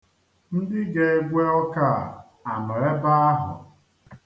Ndị ga-egwe ọka a anọ ebe ahụ?